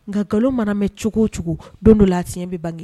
Nka nkalon mana mɛn cogo o cogo don dɔ la acyɛn bɛ bange